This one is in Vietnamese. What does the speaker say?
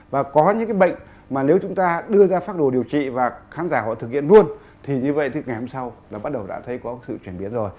và có những bệnh mà nếu chúng ta đưa ra phác đồ điều trị và khán giả họ thực hiện luôn thì như vậy tức ngày hôm sau là bắt đầu đã thấy có sự chuyển biến rồi